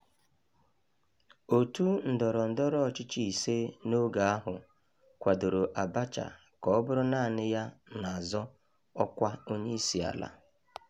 Òtù ndọrọ ndọrọ ọchịchị ise n'oge ahụ kwadoro Abacha ka ọ bụrụ naanị ya na-azọ ọkwa onyeisiala.